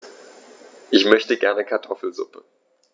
Ich möchte gerne Kartoffelsuppe.